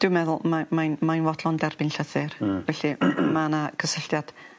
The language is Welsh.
Dwi'n meddwl mae mae'n mae'n fodlon derbyn llythyr... Hmm. ...felly ma' 'na cysylltiad